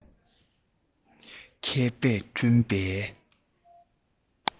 མཁས པས བསྐྲུན པའི